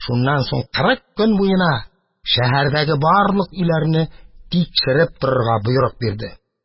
Шуннан соң кырык көн буена шәһәрдәге барлык өйләрне тикшереп торырга боерык бирде.